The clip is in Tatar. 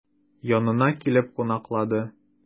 Янына килеп кунаклады.